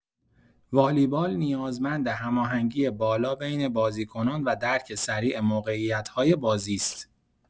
والیبال نیازمند هماهنگی بالا بین بازیکنان و درک سریع موقعیت‌های بازی است.